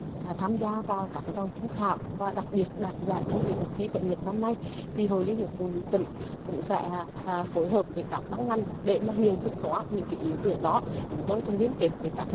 đặc tham gia vào các vòng chung khảo và đặc biệt đạt giải trong cuộc thi khởi nghiệp năm nay thì hội liên hiệp phụ nữ tỉnh cũng sẽ phối hợp với các ban ngành để hiện thực hóa những ý tưởng đó chúng tôi sẽ liên kết với các